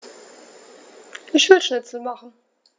Ich will Schnitzel machen.